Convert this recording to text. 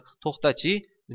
to'xta chi